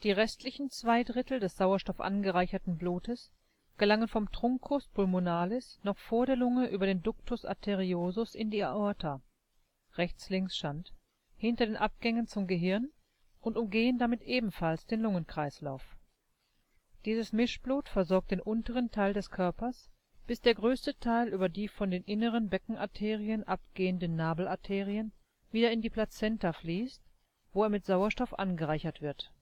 restlichen zwei Drittel des sauerstoffangereicherten Blutes gelangen vom Truncus pulmonalis noch vor der Lunge über den Ductus arteriosus in die Aorta (Rechts-Links-Shunt) hinter den Abgängen zum Gehirn und umgehen damit ebenfalls den Lungenkreislauf. Dieses Mischblut versorgt den unteren Teil des Körpers, bis der größte Teil über die von den inneren Beckenarterien abgehenden Nabelarterien wieder in die Plazenta fließt, wo er mit Sauerstoff angereichert wird